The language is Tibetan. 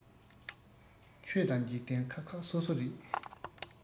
ཆོས དང འཇིག རྟེན ཁག ཁག སོ སོ རེད